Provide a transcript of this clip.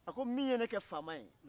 a ko min ye ne kɛ ne kɛ faama ye